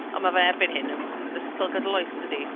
Ond ma' fe erbyn hyn yn ysgol gydol oes yn dydy?